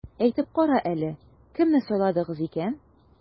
Әйтеп кара әле, кемне сайладыгыз икән?